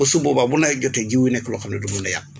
su boobaa bu nawet jotee jiw wi nekk loo xam ne du mun a yàqu